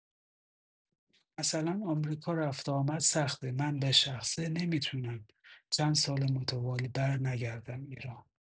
مثلا آمریکا رفت آمد سخته من به‌شخصه نمی‌تونم چند سال متوالی برنگردم ایران